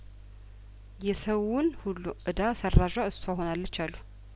የሰዉን ሁሉ እዳ ሰራዧ እሷው ሆናለች አሉ